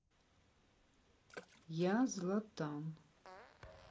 я златан